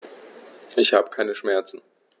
Ich habe keine Schmerzen.